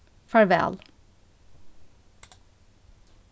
farvæl